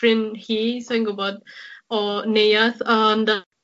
ffrind hi, sai'n gwbod, o neuadd, ond yy